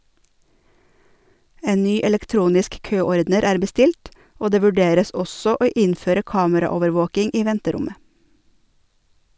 En ny elektronisk køordner er bestilt, og det vurderes også å innføre kameraovervåking i venterommet.